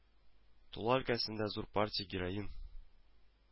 Тула өлкәсендә зур партия героин